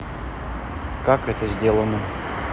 как это сделано